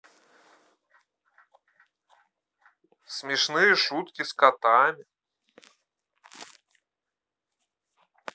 смешные шутки с котами